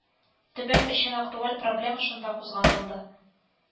Төбәк өчен актуаль проблема шунда кузгатылды